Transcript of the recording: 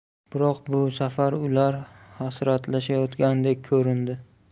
biroq bu safar ular hasratlashayotgandek ko'rindi